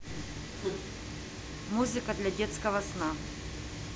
музыка для детского сна